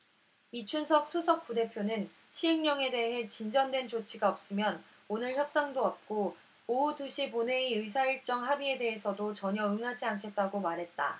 이춘석 수석부대표는 시행령에 대해 진전된 조치가 없으면 오늘 협상도 없고 오후 두 시 본회의 의사일정 합의에 대해서도 전혀 응하지 않겠다고 말했다